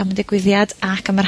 am y digwyddiad ac am yr...